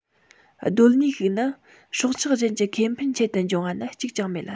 གདོད ནུས ཤིག ནི སྲོག ཆགས གཞན གྱི ཁེ ཕན ཆེད དུ འབྱུང བ ནི གཅིག ཀྱང མེད